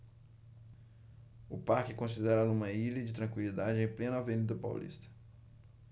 o parque é considerado uma ilha de tranquilidade em plena avenida paulista